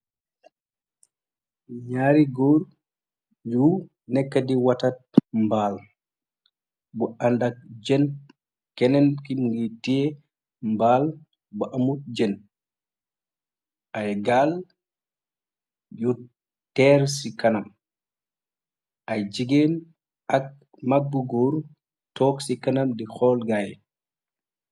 Nyaari góor yu nekk di watat mbaal bu àndak jën keneen ki ngi tee mbaal bu amut jën ay gaal yu teer ci kanam ay jigéen ak mag bu góor toog ci kanam di xool gaay.